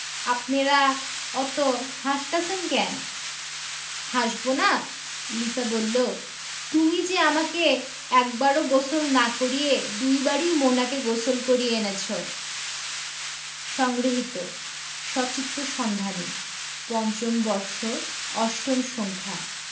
আপনেরা অত হাসতাসেন ক্যান হাসবোনা লিসা বললো তুমি যে আমাকে একবারও গোসল না করিয়ে দুবারই মোনাকে গোসল করিয়ে এনেছো সংগৃহীত সচিত্র সন্ধানী৫ম বর্ষ ৮ম সংখ্যা